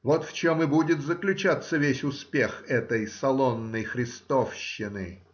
Вот в чем и будет заключаться весь успех этой салонной христовщины.